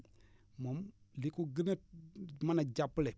moom li ko gën a mën a jàppale